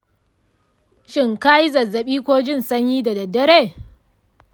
shin ka yi zazzabi ko jin sanyi da dare?